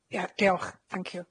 Ie diolch. Thank you.